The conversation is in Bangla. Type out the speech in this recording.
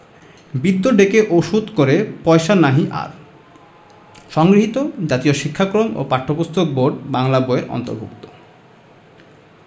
বিদ্য ডেকে ওষুধ করে পয়সা নাহি আর সংগৃহীত জাতীয় শিক্ষাক্রম ও পাঠ্যপুস্তক বোর্ড বাংলা বই এর অন্তর্ভুক্ত